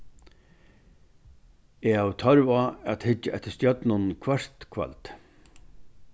eg havi tørv á at hyggja eftir stjørnunum hvørt kvøld